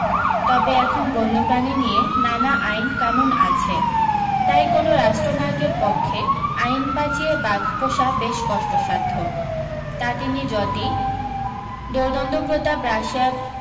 তবে এখন বন্যপ্রাণী নিয়ে নানা আইন কানুন আছে তাই কোনও রাষ্ট্রনায়কের পক্ষে আইন বাঁচিয়ে বাঘ পোষা বেশ কষ্টসাধ্য তা তিনি যতি দোর্দন্ডপ্রতাপ রাশিয়ার